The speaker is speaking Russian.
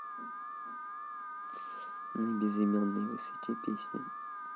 на безымянной высоте песня